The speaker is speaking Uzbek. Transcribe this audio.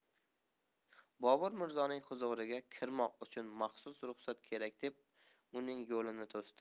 bobur mirzoning huzuriga kirmoq uchun maxsus ruxsat kerak deb uning yo'lini to'sdi